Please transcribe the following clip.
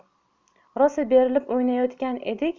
rosa berilib o'ynayotgan edik